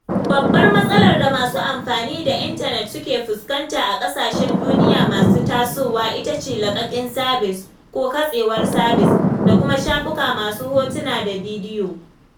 Babbar matsalar da masu amfani da intanet suke fuskanta a ƙasashen duniya masu tasowa ita ce laƙaƙin sabis (ko katsewar sabis) da kuma shafuka masu hotuna da bidiyo.